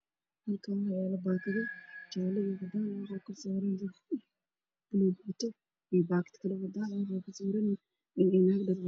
Halkaan waxaa yaalo baakado jaale iyo cadaan ah, waxaa kor saaran baakad kaloo buluug, cadaan ah.